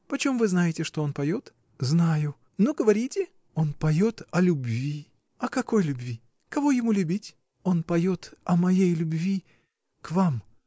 — Почем вы знаете, что он поет? — Знаю. — Ну, говорите. — Он поет о любви. — О какой любви? Кого ему любить? — Он поет о моей любви. к вам.